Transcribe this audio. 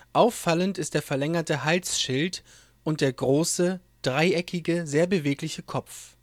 Auffallend ist der verlängerte Halsschild und der große, dreieckige, sehr bewegliche Kopf